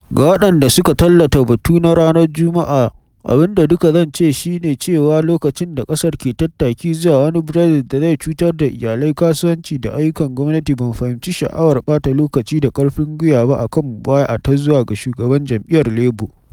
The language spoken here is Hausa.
Ga waɗanda suka tallata batu na ranar Juma’a, abin da dukka zan ce shi ne cewa a lokacin da ƙasar ke tattaki zuwa wani Brexit da zai cutar da iyalai, kasuwanci da ayyukan gwamnati, ban fahimci sha’awar ɓata lokaci da ƙarfin gwiwa ba a kan mubaya’a ta zuwa ga shugaban jam’iyyar Labour.